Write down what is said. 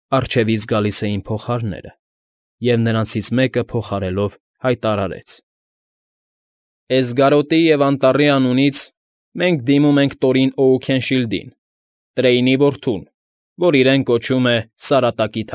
Առջևից գալիս էին փողահարները, և նրանցից մեկը, փողահարելով, հայտարարեց. ֊ Էսգարոտի և Անտառի անունից մենք դիմում ենք Տորին Օուքենշիլդին, Տրեյնի որդուն, որ իրեն կոչում է Սարատակի։